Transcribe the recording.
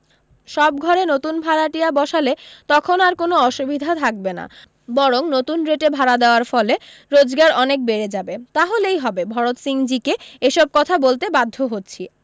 সব ঘরে নতুন ভাড়াটিয়া বসালে তখন আর কোনো অসুবিধা থাকবে না বরং নতুন রেটে ভাড়া দেওয়ার ফলে রোজগার অনেক বেড়ে যাবে তাহলেই হবে ভরত সিংজীকে এসব কথা বলতে বাধ্য হচ্ছি